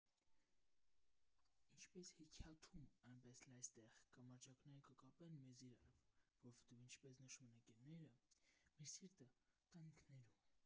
Ինչպես հեքիաթում, այնպես էլ այստեղ կամրջակները կկապեն մեզ իրար, որովհետև ինչպես նշում են ընկերները՝ «մեր սիրտը տանիքներում է»։